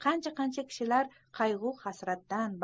qancha qancha kishilar qayg'u hasratdan